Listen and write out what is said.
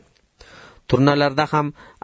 turnalarda ham